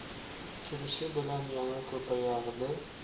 kirishi bilan yana ko'payardi